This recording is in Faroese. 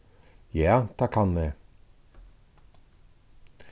ja tað kann eg